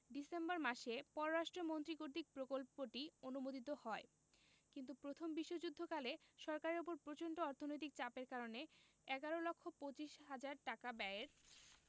December মাসে পররাষ্ট্র মন্ত্রী কর্তৃক প্রকল্পটি অনুমোদিত হয় কিন্তু প্রথম বিশ্বযুদ্ধকালে সরকারের ওপর প্রচন্ড অর্থনৈতিক চাপের কারণে এগারো লক্ষ পচিশ হাজার টাকা ব্যয়ের